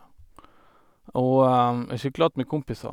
Og jeg sykla attmed kompiser.